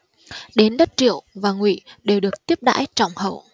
đến đất triệu và ngụy đều được tiếp đãi trọng hậu